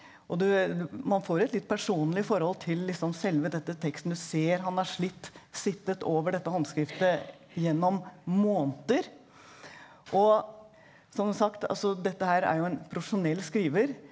og du man får et litt personlig forhold til liksom selve dette teksten, du ser han har slitt sittet over dette håndskriftet gjennom måneder og som sagt altså dette her er jo en profesjonell skriver.